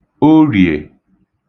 Orìè